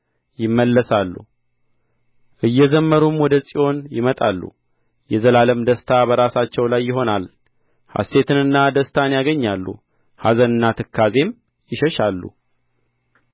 ይመለሳሉ እየዘመሩም ወደ ጽዮን ይመጣሉ የዘላለም ደስታ በራሳቸው ላይ ይሆናል ሐሤትንና ደስታን ያገኛሉ ኀዘንና ትካዜም ይሸሻሉ